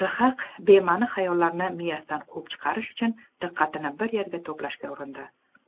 rhaq bema'ni xayollarni miyasidan quvib chiqarish uchun diqqatini bir yerga to'plashga urindi